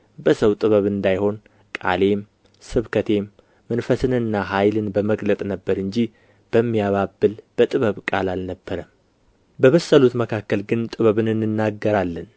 በሰው ጥበብ እንዳይሆን ቃሌም ስብከቴም መንፈስንና ኃይልን በመግለጥ ነበረ እንጂ በሚያባብል በጥበብ ቃል አልነበረም በበሰሉት መካከል ግን ጥበብን እንናገራለን